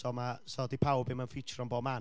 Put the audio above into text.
So ma'... so 'di pawb ddim yn ffitro yn bob man.